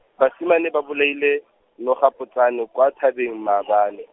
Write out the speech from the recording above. basimane ba bolaile, nogapotsane kwa thabeng maabane.